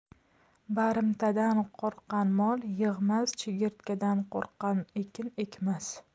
barimtadan qo'rqqan mol yig'mas chigirtkadan qo'rqqan ekin ekmas